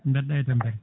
no mbaɗɗa e tampere